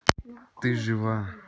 ты жива